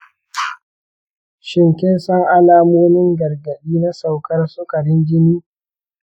shin kin san alamomin gargaɗi na saukar sukarin jini?